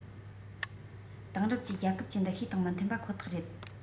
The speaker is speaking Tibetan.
དེང རབས ཀྱི རྒྱལ ཁབ ཀྱི འདུ ཤེས དང མི མཐུན པ ཁོ ཐག རེད